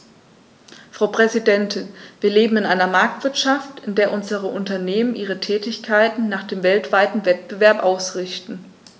Frau Präsidentin, wir leben in einer Marktwirtschaft, in der unsere Unternehmen ihre Tätigkeiten nach dem weltweiten Wettbewerb ausrichten.